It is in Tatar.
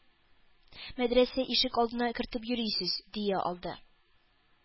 Мәдрәсә ишек алдына кертеп йөрисез? дия алды.